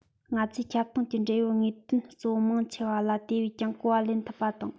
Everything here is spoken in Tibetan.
ང ཚོས ཁྱབ སྟངས ཀྱི འབྲེལ ཡོད དངོས དོན གཙོ བོ མང ཆེ བ ལ དེ བས ཀྱང གོ བ ལེན ཐུབ པ དང